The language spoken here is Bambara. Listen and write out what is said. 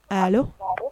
Aa